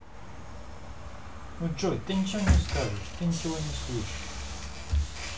ну джой ты ничего не скажешь ты ничего не слышишь